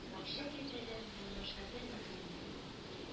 Бакча киртәләреннән башка берни күрмисең